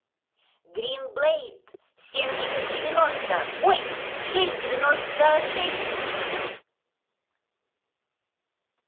green блейд семьдесят девяносто ой шесть девяносто шесть